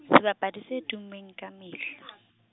sebapadi se tummeng ka mehla.